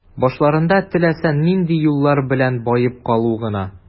Башларында теләсә нинди юллар белән баеп калу гына.